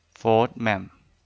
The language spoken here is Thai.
โฟธแหม่ม